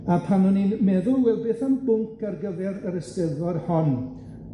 A pan o'n i'n meddwl, wel beth am bwnc ar gyfer yr Eisteddfod hon?